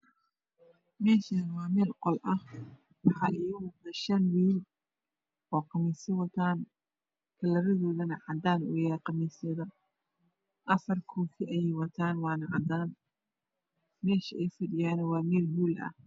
Meeshaan waa meel qol ah waxaa iiga muuqdo shan wiil oo khamiisyo wataan. kalaradoodana cadaan ay yihiin khamiisyada ,Afarna koofi ayey wataan waana cadaan meesha ay fadhiyaana waa meel hool ah.